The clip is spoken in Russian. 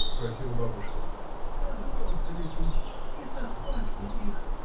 — спросила бабушка, — надумался ли ты? Не сослать ли их?.